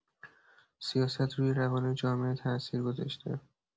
سیاست روی روان جامعه تاثیر گذاشته.